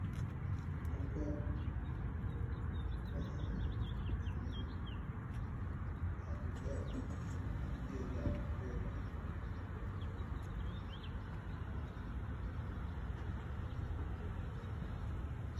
Halkan waxaa yaalo funanad dahabi dahabi ah iyo gacmo dheer ah